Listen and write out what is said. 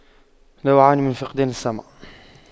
لا أعاني من فقدان السمع